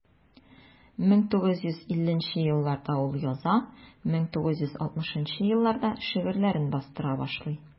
1950 елларда ул яза, 1960 елларда шигырьләрен бастыра башлый.